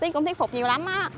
tuyến cũng thuyết phục nhiều lắm á